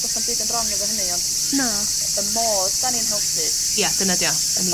do's na'm byd yn rong efo hynny ond... Na. ...y modd 'dan ni'n helpu... Ia dyna 'di o yn...